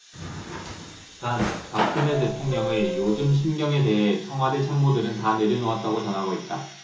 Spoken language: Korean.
단박근혜 대통령의 요즘 심경에 대해 청와대 참모들은 다 내려놓았다고 전하고 있다